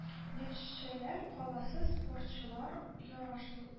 Нефтьчеләр каласы спортчылар ярашлы